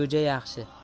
ichgan go'ja yaxshi